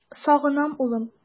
Сагынам, улым!